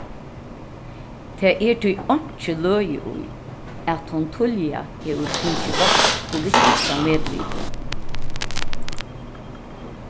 tað er tí einki løgið í at hon tíðliga hevur fingið vakt politiska medvitið